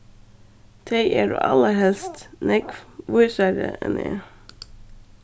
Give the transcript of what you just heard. tey eru allarhelst nógv vísari enn eg